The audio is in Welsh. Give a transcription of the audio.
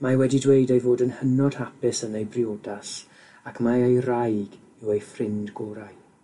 mae wedi dweud ei fod yn hynod hapus yn ei briodas, ac mai e'i wraig yw ei ffrind gorau.